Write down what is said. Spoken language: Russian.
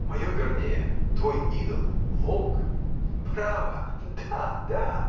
— Мое вернее: твой идол — волк! — Браво, да, да!